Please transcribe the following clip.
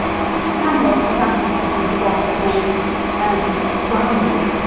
yn amlwg ma' dat yn gwbod bo' fi 'di bod drw yym wahanu.